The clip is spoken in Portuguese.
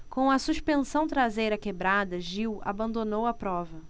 com a suspensão traseira quebrada gil abandonou a prova